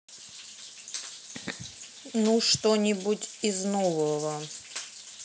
ну что нибудь из нового